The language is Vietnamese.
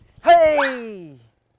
hây